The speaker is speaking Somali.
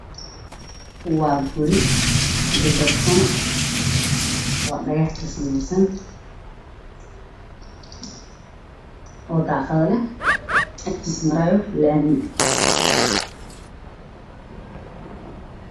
Waa labo Guri oo isku dhagan mid wuu qurux badan yahay mida wuu jijaban yahay